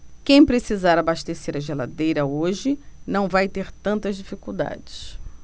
quem precisar abastecer a geladeira hoje não vai ter tantas dificuldades